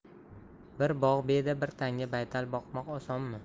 bir bog' beda bir tanga baytal boqmoq osonmi